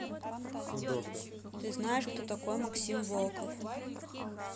ты знаешь кто такой максим волков